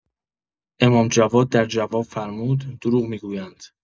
امام جواد در جواب فرمود: دروغ می‌گویند!